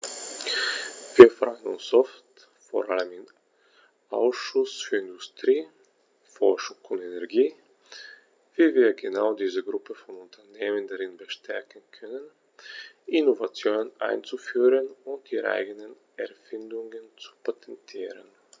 Wir fragen uns oft, vor allem im Ausschuss für Industrie, Forschung und Energie, wie wir genau diese Gruppe von Unternehmen darin bestärken können, Innovationen einzuführen und ihre eigenen Erfindungen zu patentieren.